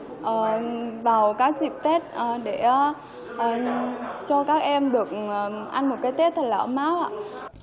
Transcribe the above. ờ vào các dịp tết ớ để á cho các em được ăn một cái tết thật là ấm áp ạ